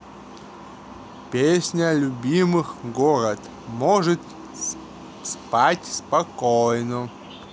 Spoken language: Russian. песня любимый город может спать спокойно